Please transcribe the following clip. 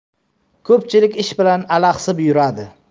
ko'pchilik ish bilan alaxsib yuradi